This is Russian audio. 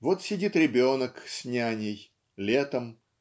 Вот сидит ребенок с няней летом